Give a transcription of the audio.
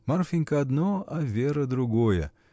Марфинька одно, а Вера другое.